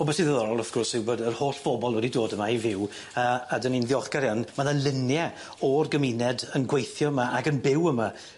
O be' sy ddiddorol wrth gwrs yw bod yr holl bobol wedi dod yma i fyw yy a 'dyn ni'n ddiolchgar iawn ma' 'na lunie o'r gymuned yn gweithio 'ma ac yn byw yma.